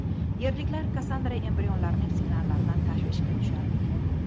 yerliklar kassandra embrionlarning signallaridan tashvishga tusharmikin